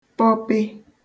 -kpọpe